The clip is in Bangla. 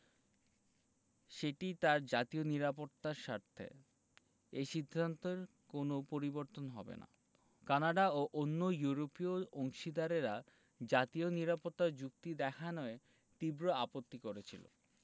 সেটি তার জাতীয় নিরাপত্তার স্বার্থে এ সিদ্ধান্তের কোনো পরিবর্তন হবে না কানাডা ও অন্য ইউরোপীয় অংশীদারেরা জাতীয় নিরাপত্তা যুক্তি দেখানোয় তীব্র আপত্তি করেছিল